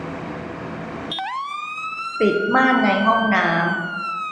ปิดม่านในห้องน้ำ